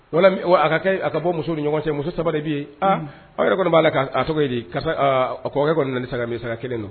Voilà mi o a ka kɛ, a ka bɔ muso ni ɲɔgɔn cɛ, muso 3 de bi yen, a, aw yɛrɛ kɔni b'a la' ɛ ka a sokodi karisa ɔɔ kɔkɛ kɔni nana ni saga min ye, saga 1 don.